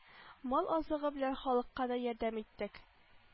Мал азыгы белән халыкка да ярдәм иттек